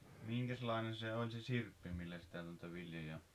minkäslainen se oli se sirppi millä sitä noita viljoja